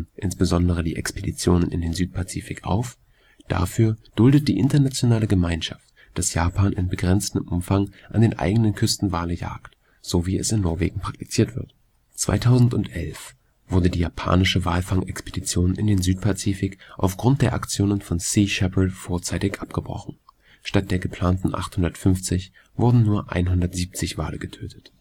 insbesondere die Expeditionen in den Südpazifik) auf, dafür duldet die internationale Gemeinschaft, dass Japan in begrenztem Umfang an den eigenen Küsten Wale jagt – so wie es in Norwegen praktiziert wird. 2011 wurde die japanische Walfangexpedition in den Südpazifik aufgrund der Aktionen von Sea Shepherd vorzeitig abgebrochen. Statt der geplanten 850 wurden nur 170 Wale getötet